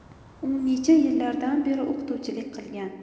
u necha yillardan beri o'qituvchilik qilgan